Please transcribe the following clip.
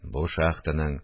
Бу шахтаның